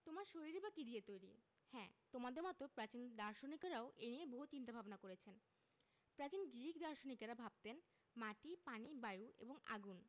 তোমার শরীরই বা কী দিয়ে তৈরি হ্যাঁ তোমাদের মতো প্রাচীন দার্শনিকেরাও এ নিয়ে বহু চিন্তা ভাবনা করেছেন প্রাচীন গ্রিক দার্শনিকেরা ভাবতেন মাটি পানি বায়ু এবং আগুন